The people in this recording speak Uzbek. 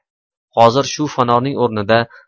hozir shu fanorning o'rnida